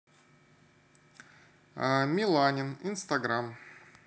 миланин инстаграм